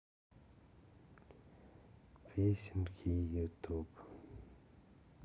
песенки ютуб